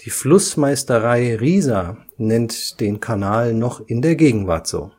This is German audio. Flussmeisterei Riesa nennt den Kanal noch in der Gegenwart so